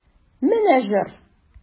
Менә җор!